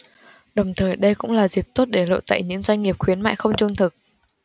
đồng thời đây cũng là dịp tốt để lộ tẩy những doanh nghiệp khuyến mại không trung thực